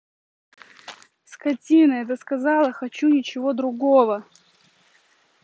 скотина это сказала хочу ничего другого